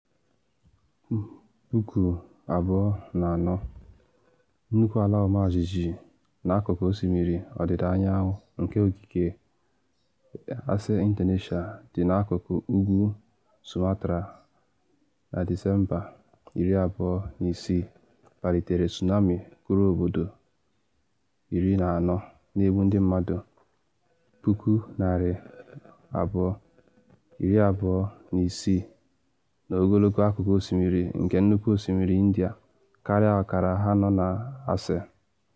2004: Nnukwu ala ọmajiji n’akụkụ osimiri ọdịda anyanwụ nke ogige Aceh Indonesia dị n’akụkụ ugwu Sumatra na Dis. 26 kpalitere tsunami kụrụ obodo 14, na egbu ndị mmadụ 226,000 n’ogologo akụkụ osimiri nke Nnukwu Osimiri India, karịa ọkara ha nọ na Aceh.